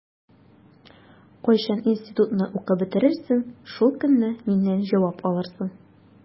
Кайчан институтны укып бетерерсең, шул көнне миннән җавап алырсың.